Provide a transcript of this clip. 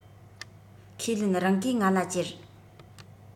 ཁས ལེན རང གིས ང ལ ཅེར